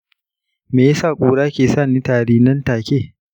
me yasa ƙura ke sa ni yin tari nan take?